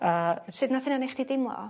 A sud nath hynna neu' chdi deimlo?